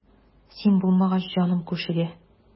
Син булмагач җаным күшегә.